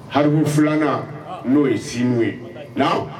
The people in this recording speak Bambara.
Haku filanan n'o ye sini ye